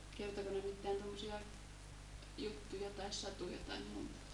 kertoiko ne mitään tuommoisia juttuja tai satuja tai muita